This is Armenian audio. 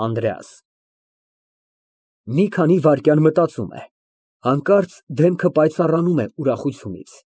ԱՆԴՐԵԱՍ ֊ (Մի քանի վայրկյան մտածում է, հանկարծ դեմքը պայծառանում է ուրախությունից)։